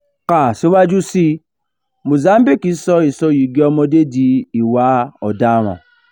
Kà síwájú sí i: Mozambique sọ ìsoyìgì ọmọdé di ìwà ọ̀daràn